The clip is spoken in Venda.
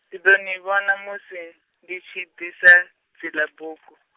ndi ḓo ni vhona musi, ndi tshi ḓisa, dzila bugu.